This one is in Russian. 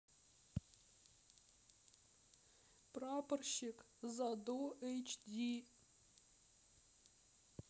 прапорщик задо эйч ди